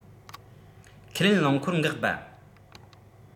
ཁས ལེན རླངས འཁོར འགག པ